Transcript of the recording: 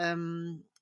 yym